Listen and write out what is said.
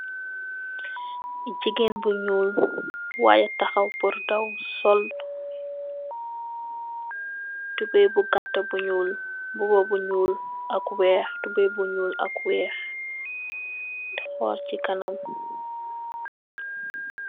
Jigéen bu ñuul, waay, taxaw pur daw. Tubooy bu gattë bu ñuul, mbuba bu ñuul ak weex, xool ci kanam.